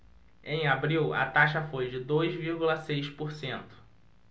em abril a taxa foi de dois vírgula seis por cento